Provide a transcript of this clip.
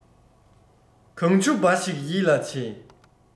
གངས ཆུ འབའ ཞིག ཡིད ལ བྱེད